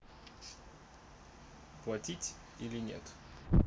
платить или нет